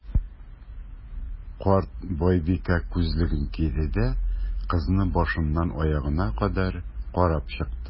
Карт байбикә, күзлеген киде дә, кызны башыннан аягына кадәр карап чыкты.